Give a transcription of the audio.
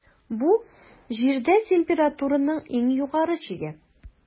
Бу - Җирдә температураның иң югары чиге.